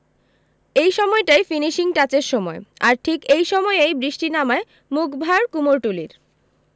এই সময়টাই ফিনিশিং টাচের সময় আর ঠিক এই সময়েই বৃষ্টি নামায় মুখভার কুমোরটুলির